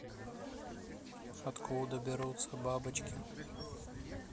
откуда берутся бабочки